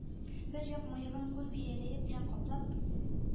Бер як мыегын күн бияләе белән каплап,